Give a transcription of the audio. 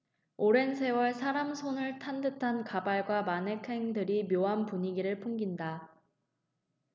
오랜 세월 사람 손을 탄 듯한 가발과 마네킹들이 묘한 분위기를 풍긴다